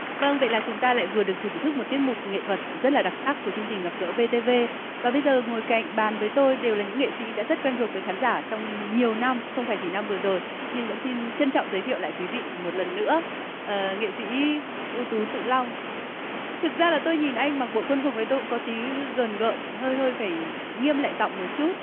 vâng vậy là chúng ta lại vừa được thưởng thức một tiết mục nghệ thuật rất là đặc sắc của chương trình gặp gỡ vê tê vê và bây giờ ngồi cạnh bàn với tôi đều là những nghệ sĩ đã rất quen thuộc với khán giả trong nhiều năm không phải chỉ năm vừa rồi nhưng vẫn xin trân trọng giới thiệu lại quý vị một lần nữa nghệ sĩ ưu tú tự long thực ra là tôi nhìn anh mặc bộ quân phục này tôi cũng có tí gờn gợn hơi hơi phải nghiêm lại giọng một chút